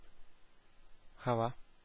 Һава